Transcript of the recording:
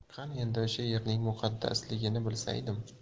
qani endi o'sha yerning muqaddasligini bilsaydim